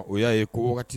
O y'a ye ko waati